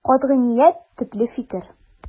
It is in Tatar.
Катгый ният, төпле фикер.